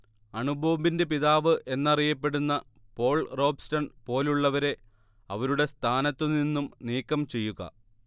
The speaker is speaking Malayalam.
അണുബോംബിന്റെ പിതാവ് എന്നറിയപ്പെടുന്ന പോൾ റോബ്സ്റ്റൺ പോലുള്ളവരെ അവരുടെ സ്ഥാനത്തു നിന്നും നീക്കംചെയ്യുക